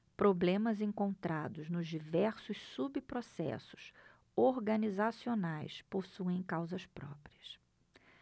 problemas encontrados nos diversos subprocessos organizacionais possuem causas próprias